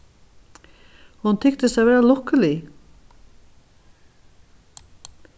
hon tykist at vera lukkulig